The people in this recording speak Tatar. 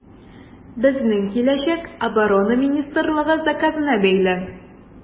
Безнең киләчәк Оборона министрлыгы заказына бәйле.